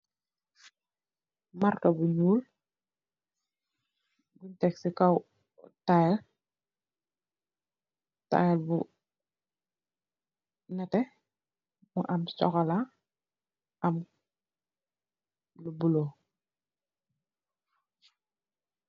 Martó bu ñuul tek ci kaw tayil. Tayil bu neteh mu am sokola am lu buló.